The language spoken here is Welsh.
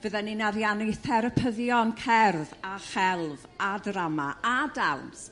Fyddan i'n ariannu therapyddion cerdd a chelf a drama a dawns.